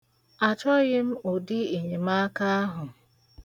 Achọghị ụdị enyemaka ahụ.